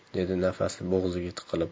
dedi nafasi bo'g'ziga tiqilib